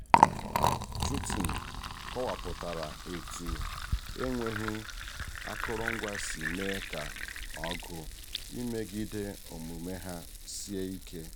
Chutni kọwapụtara etu enweghị akụrụngwa si mee ka ọgụ imegide omume ha sie ike.